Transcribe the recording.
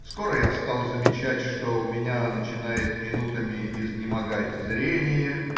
Скоро я стал замечать, что у меня начинает минутами изнемогать зрение